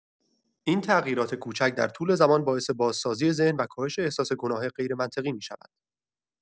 این تغییرات کوچک در طول زمان باعث بازسازی ذهن و کاهش احساس گناه غیرمنطقی می‌شود.